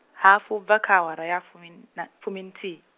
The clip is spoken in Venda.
hafu ubva kha awara ya fumin-, na fuminthihi.